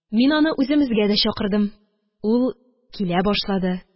Мин аны үземезгә дә чакырдым. Ул килә башлады